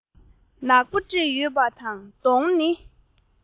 ནག པོ འདྲེས ཡོད པ དང གདོང ནི